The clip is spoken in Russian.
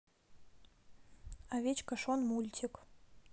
овечка шон мультик